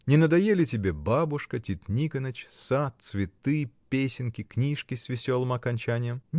Не надоели тебе: бабушка, Тит Никоныч, сад, цветы, песенки, книжки с веселым окончанием?.